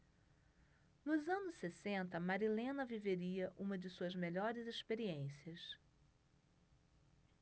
nos anos sessenta marilena viveria uma de suas melhores experiências